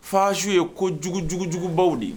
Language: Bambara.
Fasiw ye kojugujugubaw de ye